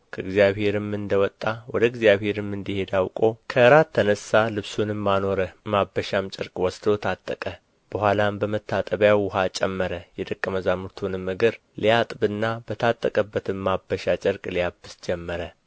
ከእግዚአብሔርም እንደ ወጣ ወደ እግዚአብሔርም እንዲሄድ አውቆ ከእራት ተነሣ ልብሱንም አኖረ ማበሻም ጨርቅ ወስዶ ታጠቀ በኋላም በመታጠቢያው ውኃ ጨመረ የደቀ መዛሙርቱንም እግር ሊያጥብና በታጠቀበትም ማበሻ ጨርቅ ሊያብስ ጀመረ